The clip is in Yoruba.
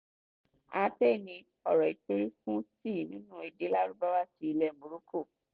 Atay ni ọ̀rọ̀ ìpèrí fún tíì nínú èdè Lárúbáwá ti ilẹ̀ Morocco.